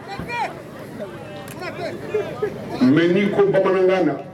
Mɛ n'i ko bamanankan na